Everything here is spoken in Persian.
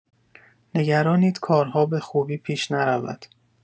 نگرانید کارها به خوبی پیش نرود.